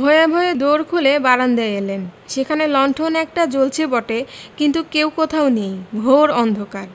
ভয়ে ভয়ে দোর খুলে বারান্দায় এলেন সেখানে লণ্ঠন একটা জ্বলচে বটে কিন্তু কেউ কোথাও নেই ঘোর অন্ধকার